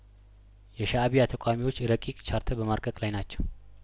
የሻእቢያ ተቃዋሚዎች ረቂቅ ቻርተር በማርቀቅ ላይ ናቸው